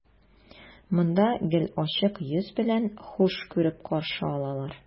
Монда гел ачык йөз белән, хуш күреп каршы алалар.